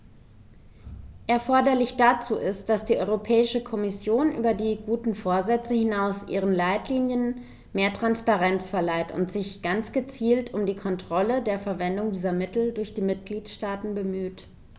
Erforderlich dazu ist, dass die Europäische Kommission über die guten Vorsätze hinaus ihren Leitlinien mehr Transparenz verleiht und sich ganz gezielt um die Kontrolle der Verwendung dieser Mittel durch die Mitgliedstaaten bemüht.